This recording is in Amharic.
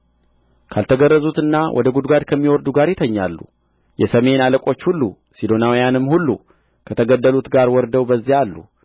ካልተገረዙትና ወደ ጕድጓድ ከሚወርዱ ጋር ይተኛሉ የሰሜን አለቆች ሁሉ ሲዶናውያንም ሁሉ ከተገደሉት ጋር ወርደው በዚያ አሉ